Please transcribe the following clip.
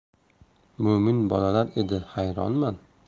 mo'min bolalar edi hayronman